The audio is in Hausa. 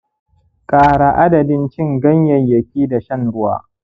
ƙara adadin cin ganyayyaki da shan ruwa